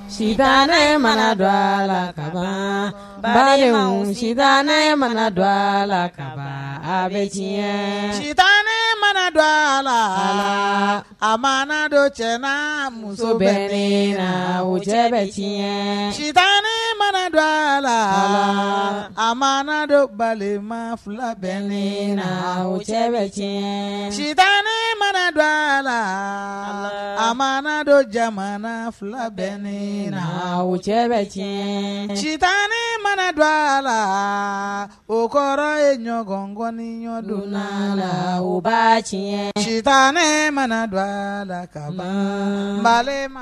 Si ne mana dɔ a la ka bali si ne mana dɔ a la ka bɛ sita ne mana dɔ a la a ma dɔ cɛ muso bɛ ne wo cɛ bɛ sita ne mana dɔ a la a ma dɔ balimama fila bɛ ne wo cɛ cɛ sita ne mana dɔ a la a ma dɔ jamana fila bɛ ne wo cɛ bɛ tiɲɛ cita ne mana dɔ a la o kɔrɔ ye ɲɔgɔnkɔni ɲɔgɔndon la la ba tiɲɛta ne mana don a la kalan ma